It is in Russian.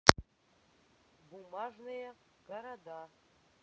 бумажные города